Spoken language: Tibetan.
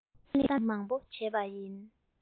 གཏམ གླེང མང པོ བྱས པ ཡིན